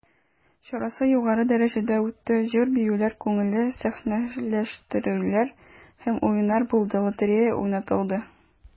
Чарасы югары дәрәҗәдә үтте, җыр-биюләр, күңелле сәхнәләштерүләр һәм уеннар булды, лотерея уйнатылды.